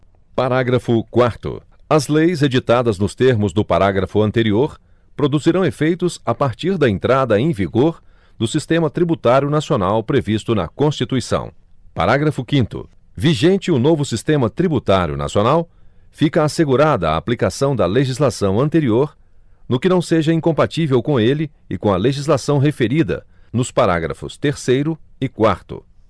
parágrafo quarto as leis editadas nos termos do parágrafo anterior produzirão efeitos a partir da entrada em vigor do sistema tributário nacional previsto na constituição parágrafo quinto vigente o novo sistema tributário nacional fica assegurada a aplicação da legislação anterior no que não seja incompatível com ele e com a legislação referida nos parágrafos terceiro e quarto